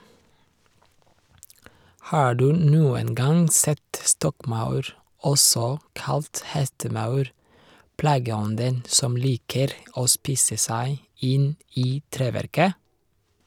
Har du noen gang sett stokkmaur, også kalt hestemaur, plageånden som liker å spise seg inn i treverket?